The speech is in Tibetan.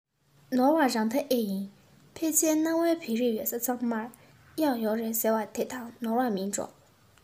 ནོར བ རང ད ཨེ ཡིན ཕལ ཆེར གནའ བོའི བོད རིགས ཡོད ས ཚང མར གཡག ཡོད རེད ཟེར བ དེ དང ནོར བ མིན འགྲོ